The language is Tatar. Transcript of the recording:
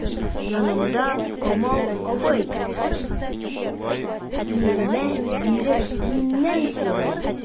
Янымда— Камал абый, иелә биреп миннән сорый.